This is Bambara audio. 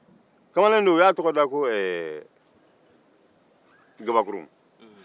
u ye kamalen dɔ tɔgɔ da ko kabakuru